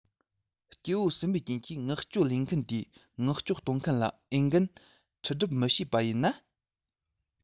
སྐྱེ བོ གསུམ པའི རྐྱེན གྱིས མངགས བཅོལ ལེན མཁན དེས མངགས བཅོལ གཏོང མཁན ལ འོས འགན འཁྲི སྒྲུབ མི བྱེད པ ཡིན ན